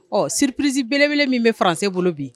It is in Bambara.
Ɔ siprisi bele min bɛ fanransen bolo bi